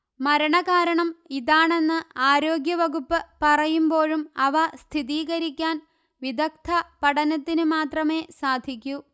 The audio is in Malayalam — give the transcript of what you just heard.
മരണ കാരണം ഇതാണെന്ന് ആരോഗ്യ വകുപ്പ് പറയുമ്പോഴും അവ സ്ഥിതീകരിക്കാൻ വിദഗ്ധ പഠനത്തിൻമാത്രമേ സാധിക്കു